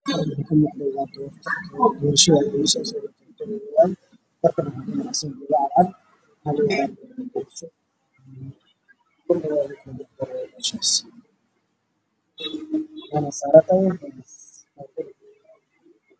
Waa keek midabkiisu waa caddaan qaxwi